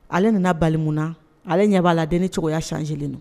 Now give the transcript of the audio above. Ale nana balimamu ale ɲɛ b'a laden ni cogoyaya sanjlen don